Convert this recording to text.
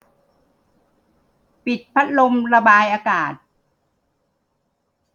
ปิดพัดลมระบายอากาศ